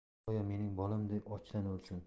iloyo mening bolamday ochdan o'lsin